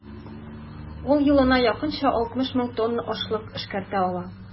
Ул елына якынча 60 мең тонна ашлык эшкәртә ала.